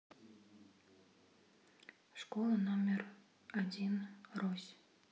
школа номер один рось